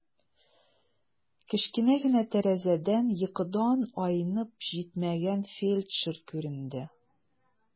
Кечкенә генә тәрәзәдә йокыдан айнып җитмәгән фельдшер күренде.